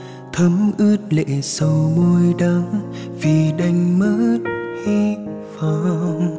thấm ướt lệ sầu môi đắng vì đánh mất hy vọng